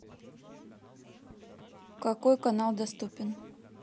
какой канал доступен